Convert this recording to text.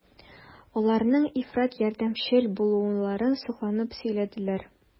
Аларның ифрат ярдәмчел булуларын сокланып сөйләделәр.